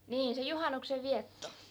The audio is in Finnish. niin se juhannuksen vietto